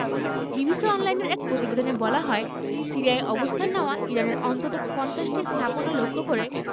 BBC অনলাইনের এক প্রতিবেদনে বলা হয় সিরিয়ায় অবস্থান নেওয়া ইরানের অন্তত ৫০টি স্থাপনা লক্ষ্য করে